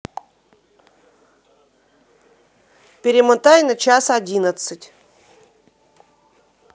перемотай на час одиннадцать